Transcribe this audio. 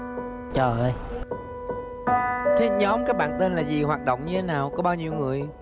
trời ơi thế nhóm các bạn tên là gì hoạt động như nào có bao nhiêu người